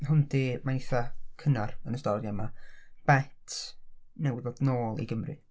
hwn 'di... mae'n eitha cynnar yn y stori yma, Bet newydd ddod nôl i Gymru.